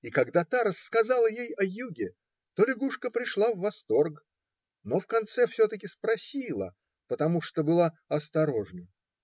И когда та рассказала ей о юге, то лягушка пришла в восторг, но в конце все-таки спросила, потому что была осторожна